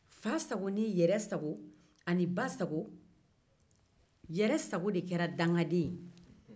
yɛrɛsago de kera dangaden ye